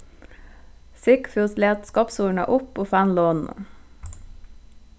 sigfús læt skápshurðina upp og fann lonu